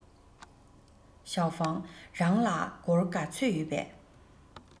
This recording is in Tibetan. ཞའོ ཧྥང རང ལ སྒོར ག ཚོད ཡོད པས